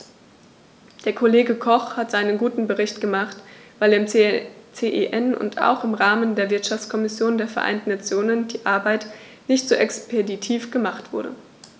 Der Kollege Koch hat seinen guten Bericht gemacht, weil im CEN und auch im Rahmen der Wirtschaftskommission der Vereinten Nationen die Arbeit nicht so expeditiv gemacht wurde.